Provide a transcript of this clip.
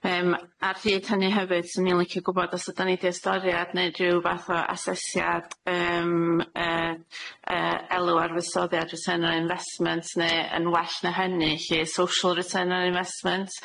Yym ar hyd hynny hefyd 'swn i'n licio gwbod os ydan ni di ystoriad neu rhyw fath o asesiad yym yy yy elw ar fusoddiad return on investment ne' yn well na hynny lly social return on investment.